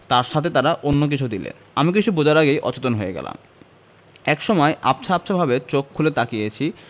তার সাথে তারা অন্য কিছু দিলেন আমি কিছু বোঝার আগে অচেতন হয়ে গেলাম একসময় আবছা আবছাভাবে চোখ খুলে তাকিয়েছি